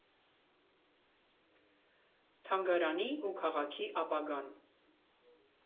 Թանգարանի ու քաղաքի ապագան։